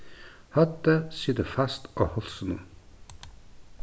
høvdið situr fast á hálsinum